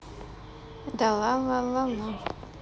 да ла ла ла ла